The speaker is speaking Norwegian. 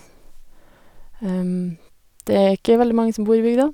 Det er ikke veldig mange som bor i bygda.